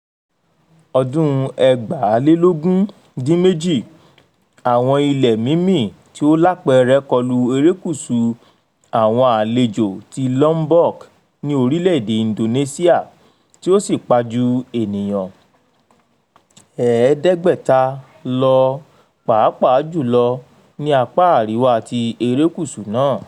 Ọdún 2018: Àwọn ìmìtìtì ilẹ̀ tó lágbára wáyé ní erékùṣù Lombok tó jẹ́ ibi táwọn arìnrìn-àjò ti máa ń lọ sí nílẹ̀ Indonesia, ó sì pa èèyàn tó lé ní ẹ̀ẹ́dẹ́gbẹ̀ta [500], èyí tó pọ̀ jù lára wọn sì wà ní apá àríwá erékùṣù náà.